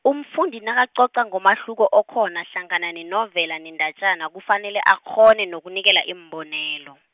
umfundi nakacoca ngomahluko okhona hlangana nenovela nendatjana kufanele akghone nokunikela iimbonelo.